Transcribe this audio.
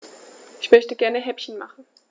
Ich möchte gerne Häppchen machen.